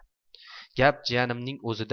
gap jiyanimning o'zida